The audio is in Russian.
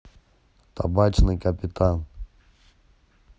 табачный капитан